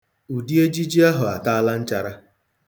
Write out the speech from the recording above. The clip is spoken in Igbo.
Ụdị ejiji ahụ ataala nchara.